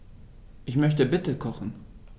Ich möchte bitte kochen.